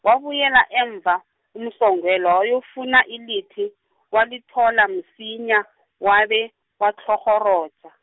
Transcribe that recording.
wabuyela emuva, uMsongelwa wayofuna ilithi walithola msinya wabe, watlhorhoroja.